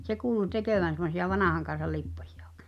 se kuului tekevän semmoisia vanhan kansan lipposia oikein